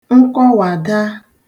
nkọwàda